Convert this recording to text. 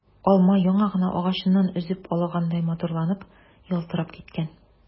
Алма яңа гына агачыннан өзеп алгандай матурланып, ялтырап киткән.